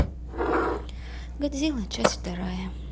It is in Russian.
годзилла часть вторая